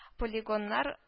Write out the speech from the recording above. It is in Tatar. Полигоннар